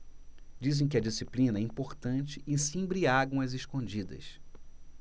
dizem que a disciplina é importante e se embriagam às escondidas